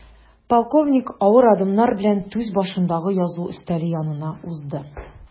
Полковник авыр адымнар белән түр башындагы язу өстәле янына узды.